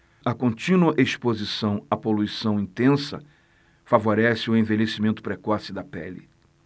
a contínua exposição à poluição intensa favorece o envelhecimento precoce da pele